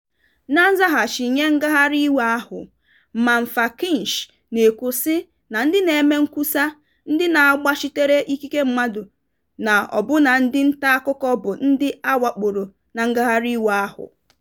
Na nzaghachi nye ngagharị iwe ahụ, Mamfakinch na-ekwu sị na ndị na-eme nkwusa, ndị na-agbachitere ikike mmadụ na ọbụna ndị nta akụkọ bụ ndị a wakporo na ngagharị iwe ahụ.